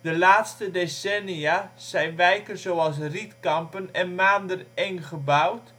De laatste decennia zijn wijken zoals Rietkampen en Maandereng gebouwd